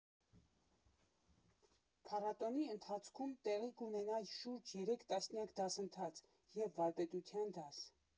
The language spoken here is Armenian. Փառատոնի ընթացքում տեղի կունենա շուրջ երեք տասնյակ դասընթաց և վարպետության դաս։